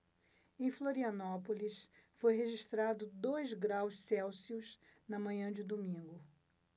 em florianópolis foi registrado dois graus celsius na manhã de domingo